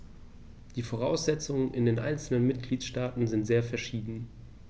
Die Voraussetzungen in den einzelnen Mitgliedstaaten sind sehr verschieden.